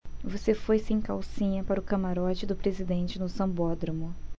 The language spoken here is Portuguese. você foi sem calcinha para o camarote do presidente no sambódromo